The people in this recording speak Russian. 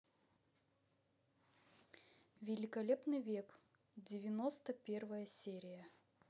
великолепный век девяносто первая серия